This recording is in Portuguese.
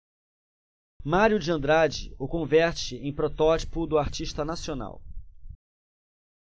mário de andrade o converte em protótipo do artista nacional